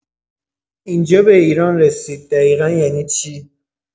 این‌جا به ایران رسید دقیقا یعنی چی؟